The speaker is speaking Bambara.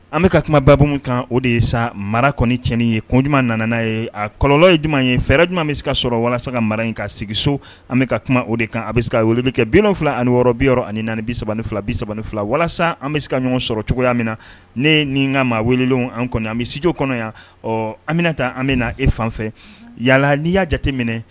An bɛ ka kumababa kan o de ye sa mara kɔni tii ye kouma na ye a kɔlɔlɔ ye ɲumanuma ye fɛɛrɛuma bɛ se ka sɔrɔ walasa ka mara in ka sigiso an bɛ ka kuma o de kan a bɛ se ka weele de kɛ bi wolonwula ni wɔɔrɔ bi yɔrɔ ani bisa ni fila bisa fila walasa an bɛ se ka ɲɔgɔn sɔrɔ cogoya min na ne ni n ka maa wele an kɔnɔ an bɛtudi kɔnɔ yan ɔ anmina taa an bɛna na e fan fɛ yaala n'i y'a jate minɛ